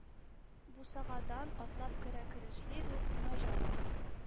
Бусагадан атлап керә-керешли үк, Наҗар абый: